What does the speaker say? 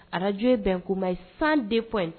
Arajo ye bɛnkuma ma ye san de fɔ in